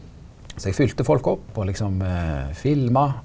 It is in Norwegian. så eg fylte folk opp og liksom filma.